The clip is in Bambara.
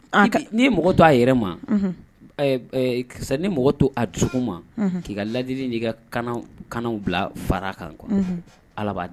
Ɔ a ka ni ye mɔgɔ to a yɛrɛ ma unhun ɛɛb ɛɛk c'est à dire n'i ye mɔgɔ to a dusukun ma unhun k'i ka ladili n'i kananw kananw bil'a far'a kan unhun Ala b'a